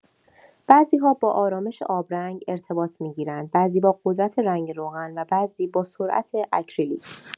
بعضی‌ها با آرامش آبرنگ ارتباط می‌گیرند، بعضی با قدرت رنگ روغن و بعضی با سرعت اکریلیک.